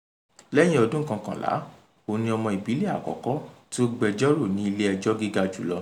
Lẹ́yìn ọdún kọ́kànlá, òun ni ọmọ ìbílẹ̀ àkọ́kọ́ tí ó gbẹjọ́rò ní ilé-ẹjọ́ gíga jùlọ.